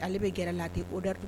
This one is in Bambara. Ale bɛ gɛrɛ la de a tɛ odeur